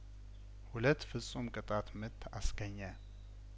ሁለት ፍጹም ቅጣትምት አስገኘ